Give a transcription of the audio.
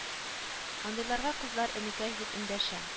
Андыйларга кызлар энекәш дип эндәшә